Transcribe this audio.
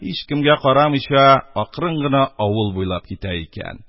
Һичкемгә карамыйча, акрын гына авыл буйлап китә икән.